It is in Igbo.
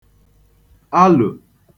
alò